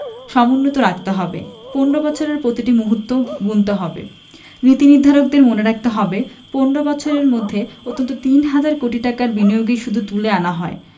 সমুন্নত রাখতে হবে ১৫ বছরের প্রতিটি মুহূর্ত গুনতে হবে নীতিনির্ধারকদের মনে রাখতে হবে ১৫ বছরের মধ্যে অন্তত তিন হাজার কোটি টাকার বিনিয়োগই শুধু তুলে আনা নয়